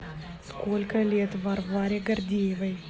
сколько лет варваре гордеевой